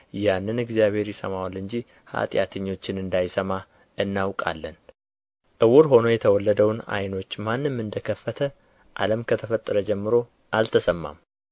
ያንን እግዚአብሔር ይሰማዋል እንጂ ኃጢአተኞችን እንዳይሰማ እናውቃለን ዕውር ሆኖ የተወለደውን ዓይኖች ማንም እንደ ከፈተ ዓለም ከተፈጠረ ጀምሮ አልተሰማም